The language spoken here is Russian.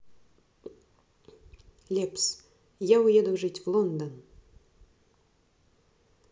лепс я уеду жить в лондон